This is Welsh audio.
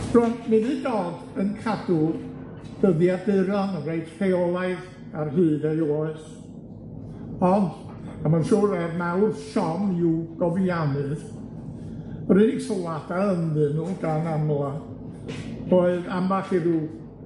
Rŵan, mi fydd Dodd yn cadw dyddiaduron reit rheolaidd ar hyd ei oes, ond, a ma'n siŵr mai er mawr siom i'w gofiannydd yr unig sylwada ynddyn nw gan amla oedd amball i ryw